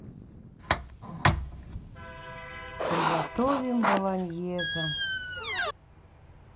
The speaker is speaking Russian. приготовим болоньезе